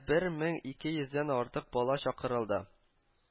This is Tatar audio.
Бер мең ике йөздән артык бала чакырылды